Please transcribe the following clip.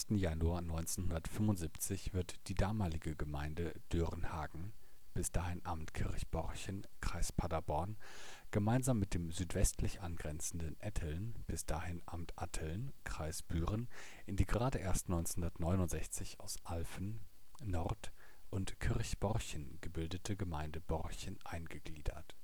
Januar 1975 wird die damalige Gemeinde Dörenhagen, bis dahin Amt Kirchborchen, Kreis Paderborn, gemeinsam mit dem südwestlich angrenzenden Etteln, bis dahin Amt Atteln, Kreis Büren, in die gerade erst 1969 aus Alfen, Nord - und Kirchborchen gebildete Gemeinde Borchen eingegliedert